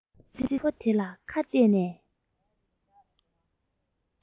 ཙི ཙི ཕོ དེ ལ ཁ གཏད ནས